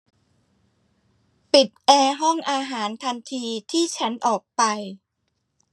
ปิดแอร์ห้องอาหารทันทีที่ฉันออกไป